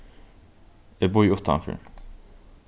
eg bíði uttanfyri